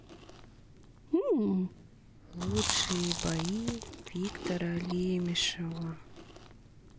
лучшие бои виктора лемишева